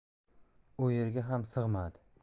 u yerga ham sig'madi